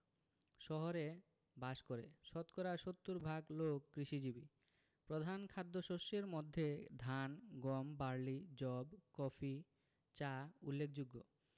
শহরে বাস করেশতকরা ৭০ ভাগ লোক কৃষিজীবী প্রধান খাদ্যশস্যের মধ্যে ধান গম বার্লি যব কফি চা উল্লেখযোগ্য